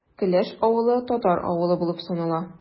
Келәш авылы – татар авылы булып санала.